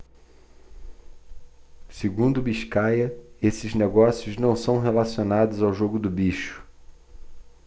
segundo biscaia esses negócios não são relacionados ao jogo do bicho